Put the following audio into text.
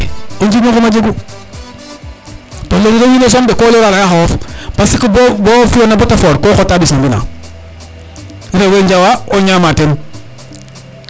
o njirño nguma jegu to lorilo wiin we soom de ko lora le a xoxof parce que bo fiyoma bata for ko xota mbis no mbina rewe njawa o ñama ten